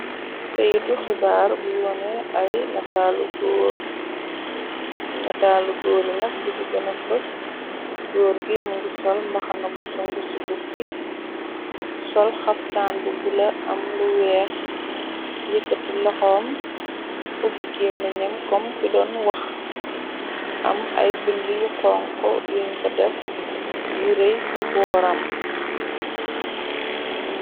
Keyitu xibaar bu woone ay nataalu goor, nataalu góor yi nak bu ci gëna fës góor gi mi ngi sol mbaxana bu sungusi bukki, sol xaftaan bu bula am lu weex, yëkkati loxoom ubi gémenam kom ki doon wax, am ay binde yu xonxo yun ko def yu rëy ci booram.